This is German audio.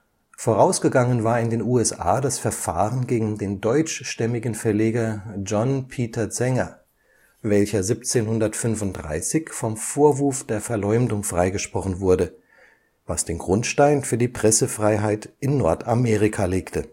Vorausgegangen war in den USA das Verfahren gegen den deutschstämmigen Verleger John Peter Zenger, welcher 1735 vom Vorwurf der Verleumdung freigesprochen wurde, was den Grundstein für die Pressefreiheit in Nordamerika legte